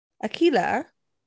Aquila?